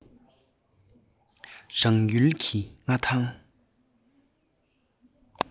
རང ཡུལ གྱི མངའ ཐང